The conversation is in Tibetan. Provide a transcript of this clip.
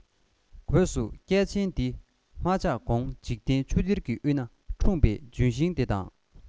སྒོས སུ སྐལ ཆེན འདི མ ཆགས གོང འཇིག རྟེན ཆུ གཏེར གྱི དབུས ན འཁྲུངས པའི ལྗོན ཤིང དེ དང